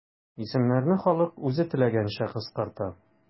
Исемнәрне халык үзе теләгәнчә кыскарта.